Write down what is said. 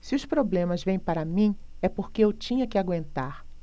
se os problemas vêm para mim é porque eu tinha que aguentar